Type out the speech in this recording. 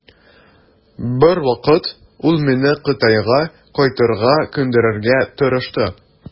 Бер вакыт ул мине Кытайга кайтырга күндерергә тырышты.